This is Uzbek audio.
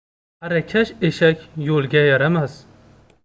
xarakash eshak yo'lga yaramas